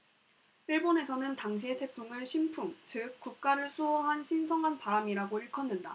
일본에서는 당시의 태풍을 신풍 즉 국가를 수호한 신성한 바람이라고 일컫는다